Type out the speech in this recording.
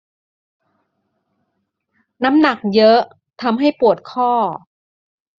น้ำหนักเยอะทำให้ปวดข้อ